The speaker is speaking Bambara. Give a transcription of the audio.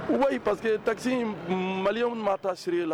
U' ayi paseke que pakisi in maliw ma ta seere e la